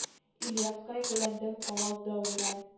Ильская гөләндәм камал дәүран